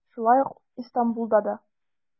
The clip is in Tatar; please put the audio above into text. Шулай ук Истанбулда да.